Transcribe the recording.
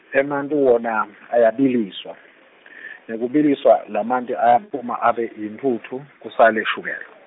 emanti wona ayabiliswa , Ngekubiliswa lamanti ayaphuma abe yintfutfu kusale shukela.